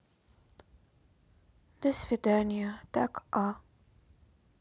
до свидания так а